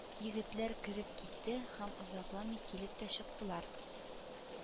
Егетләр кереп китте һәм озакламый килеп тә чыктылар